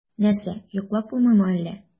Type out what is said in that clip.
Нәрсә, йоклап булмыймы әллә?